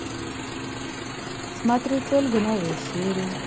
смотреть ольга новые серии